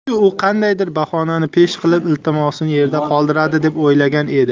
chunki u qandaydir bahonani pesh qilib iltimosimni yerda qoldiradi deb o'ylagan edi